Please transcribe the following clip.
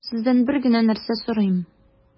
Сездән бер генә нәрсә сорыйм: